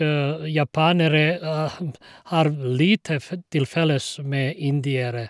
Japanere har lite fe til felles med indere.